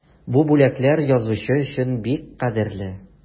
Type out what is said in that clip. Бу бүләкләр язучы өчен бик кадерле.